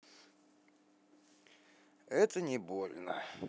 это не больно